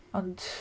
Ond...